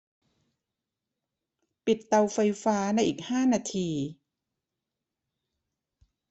ปิดเตาไฟฟ้าในอีกห้านาที